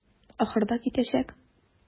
Ахырда китәчәк.